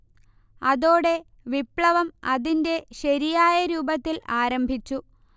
അതോടെ വിപ്ലവം അതിന്റെ ശരിയായ രൂപത്തിൽ ആരംഭിച്ചു